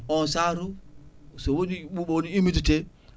on saatu so woni ɓuuɓo woni humidité